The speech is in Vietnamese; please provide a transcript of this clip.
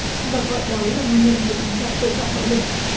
và gọi đó là nguyên nhân của tình trạng tội phạm bạo lực